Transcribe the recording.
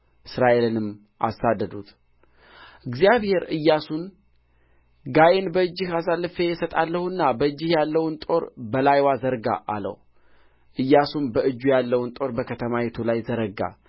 እስራኤልንም አሳደዱት እግዚአብሔር ኢያሱን ጋይን በእጅህ አሳልፌ እሰጥሃለሁና በእጅህ ያለውን ጦር በላይዋ ዘርጋ አለው ኢያሱም በእጁ ያለውን ጦር በከተማይቱ ላይ ዘረጋ